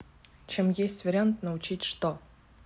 чем есть вариант научить что